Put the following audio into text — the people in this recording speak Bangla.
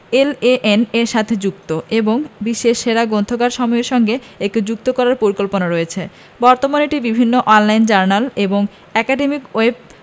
এলএএন এর সাথে যুক্ত এবং বিশ্বের সেরা গ্রন্থাগারসমূহের সাথে একে যুক্ত করার পরিকল্পনা রয়েছে বর্তমানে এটি বিভিন্ন অন লাইন জার্নাল এবং একাডেমিক ওয়েব